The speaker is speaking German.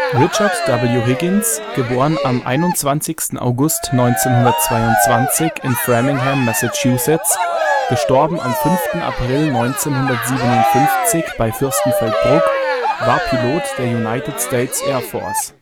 Richard W. Higgins (* 21. August 1922 in Framingham, Massachusetts; † 5. April 1957 bei Fürstenfeldbruck) war Pilot der United States Air Force